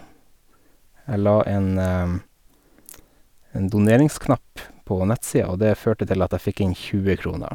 Jeg la en en doneringsknapp på nettsia, og det førte til at jeg fikk inn tjue kroner.